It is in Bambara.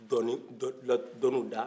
dɔni dɔ la dɔniw da